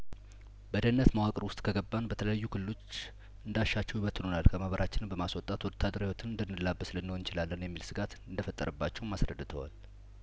በደህንነት መዋቅር ውስጥ ከገባን በተለያዩ ክልሎች እንዳ ሻቸው ይበትኑናል ከማህበራችንም በማስወጣት ወታደራዊ ህይወትን እንድንላበስ ልንሆን እንችላለን የሚል ስጋት እንደፈጠረባቸውም አስረድተዋል